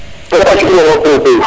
*